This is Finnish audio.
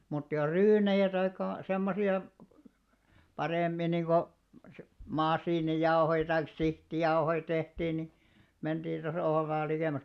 mutta jos ryynejä tai semmoisia paremmin niin kuin masiinijauhoja tai sihtijauhoja tehtiin niin mentiin osa tuohon vain likemmäksi